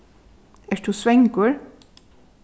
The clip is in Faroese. ert tú svangur